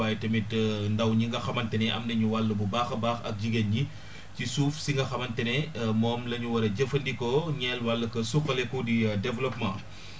waaye tamit ndaw ñi nga xamante ni am nañ wàll bu baax a baax ak jigéen ñi ci suuf si nga xamante ne moom la ñu war a jëfandikoo ñeel wàllu suqaleku di développement